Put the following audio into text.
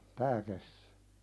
tämä kesti